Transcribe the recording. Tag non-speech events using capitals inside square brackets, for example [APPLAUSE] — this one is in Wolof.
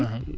[HESITATION] [HESITATION]